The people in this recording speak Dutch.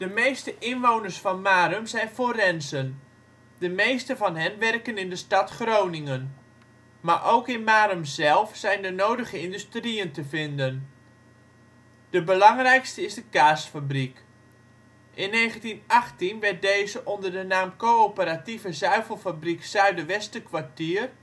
meeste inwoners van Marum zijn forensen, de meeste van hen werken in de stad Groningen. Maar ook in Marum zelf zijn de nodige industriën te vinden. De belangrijkste is de kaasfabriek. In 1918 werd deze onder de naam coöperatieve zuivelfabriek Zuider Westerkwartier